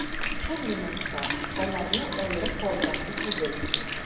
Шундый максат: аларны аерып калдырасы түгел.